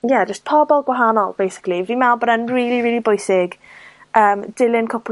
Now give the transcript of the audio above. ie, jyst pobol gwahanol basically. Fi'n me'wl bod e'n rili rili bwysig yym dilyn cwpwl